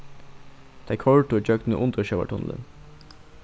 tey koyrdu ígjøgnum undirsjóvartunnilin